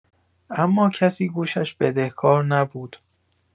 اما کسی گوشش بدهکار نبود.